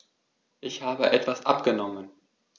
Ich habe etwas abgenommen.